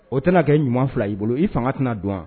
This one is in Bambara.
O tɛna kɛ ɲuman fila y'i bolo i fanga tɛna don wa